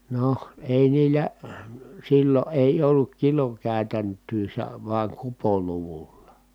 no ei niillä silloin ei ollut kilokäytäntöä se vain kupoluvulla